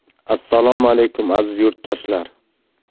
assalomu aleykum aziz yurtdoshlar